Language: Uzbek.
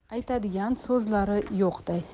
aytadigan so'zlari yo'qday